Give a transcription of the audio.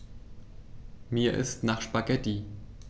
Mir ist nach Spaghetti.